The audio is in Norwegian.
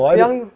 ja han.